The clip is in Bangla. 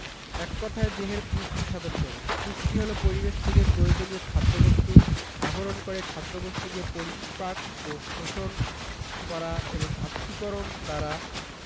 এক কথায় দেহের পুষ্টি সাধন করে পুষ্টি হলো পরিবেশ থেকে প্রয়োজনীয় খাদ্যবস্তু আহরণ করে খাদ্যবস্তুকে পরিপাক ও শোষণ করা এবং আত্তীকরণ দ্বারা